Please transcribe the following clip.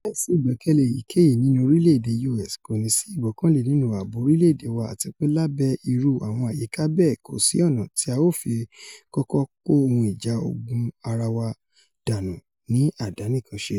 Láìsí ìgbẹkẹ̀lé èyíkéyìí nínú orílẹ̀-èdè U.S. kòní sí ìgbọkànlé nínú ààbò orílẹ̀-èdè wa àtipé lábẹ́ irú àwọn àyíká bẹ́ẹ̀ kòsí ọ̀nà tí a ó fi kọ́kọ́ kó ohun ìjà ogun ara wa dánù ní àdánìkànṣe.''